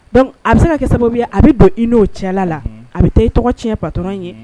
Dɔnku a bɛ se ka kɛ sababu a bɛ don i n'o cɛla la a bɛ taa i tɔgɔ tiɲɛ pat in ye